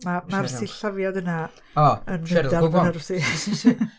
Ma'r ma'r sillafiad yna yn mynd ar fy nerves i